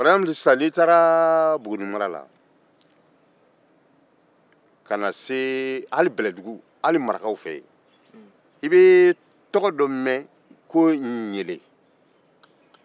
n'i taara buguni mara la kana se marakaw fɛ yen i bɛ tɔgɔ dɔ mɛn ko ɲele